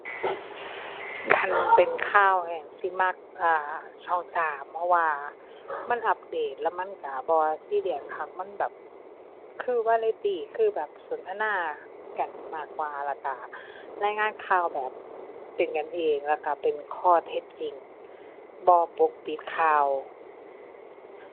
โอ้ ใช้หลายบาทอยู่ ใช้บ่ได้เจาะจงว่าต้องเลือกอิหยังดอก นอกเสียจากว่าคันติดต่อกับส่วนงานราชการใช้ต้อง ใช้คือสิบ่ บ่ม้มกรุงไทย นอกนั้นใช้แล้วแต่เลย ตามสะดวก